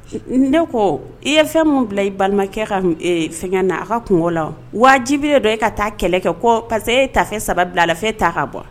Ne ko i ye fɛn min bila i balimakɛ ka fɛn na a ka kungo la wajibibi don e ka taa kɛlɛ kɛ pa que e tafe saba bila a la fɛn t ta ka bɔ